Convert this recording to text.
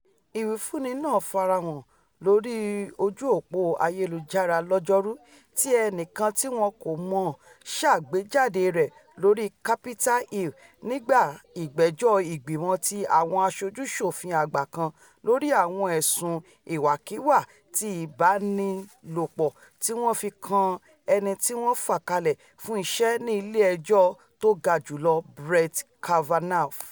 Ìwífúnni náà farahàn lórí ojú-òpò ayelujara lọ́jọ́ 'Ru, tí ẹnìkan tíwọ́n kòmọ̀ sàgbéjáde rẹ̀ lórí Capitol Hill nígbà ìgbẹ́jọ́ ìgbìmọ ti Àwọn Aṣojú-ṣòfin Àgbà kan lórí àwọn ẹ̀sùn ìwàkiwà ti ìbáraẹnilòpọ̀ tíwọ́n fi kan ẹnití wọ́n fàkalẹ̀ fún iṣẹ́ ní Ilé Ẹjọ́ Tógajùlọ Brett Kavanaugh.